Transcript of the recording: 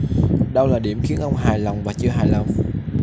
đâu là điểm khiến ông hài lòng và chưa hài lòng